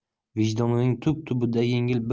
vijdonining tub tubida